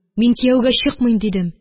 Мин кияүгә чыкмыйм, дидем